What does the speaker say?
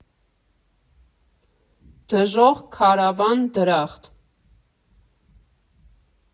Դժոխք, Քավարան, Դրախտ։